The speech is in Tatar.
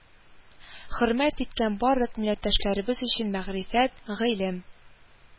Хөрмәт иткән барлык милләттәшләребез өчен мәгърифәт, гыйлем